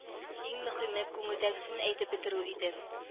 Иң мөһиме күңелдәгесен әйтеп бетерү иде